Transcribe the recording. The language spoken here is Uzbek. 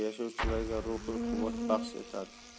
yashovchilarga ruhiy quvvat baxsh etadi